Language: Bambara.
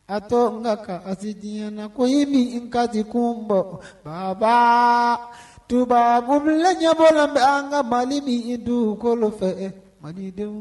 A to nka ka asi na ko ye min ka di kun bɔ baba tubabb ɲɛbɔ la bɛ an ka mali min i dun fɛ mali denw